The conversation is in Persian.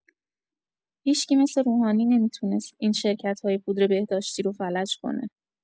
هیشکی مثل روحانی نمی‌تونست این شرکتای پودر بهداشتی رو فلج کنه